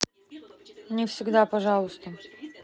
не всегда пожалуйста